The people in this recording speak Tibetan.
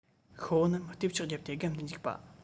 ཤོག བུ རྣམས ལྟེབ ཆགས བརྒྱབ སྟེ སྒམ དུ འཇུག པ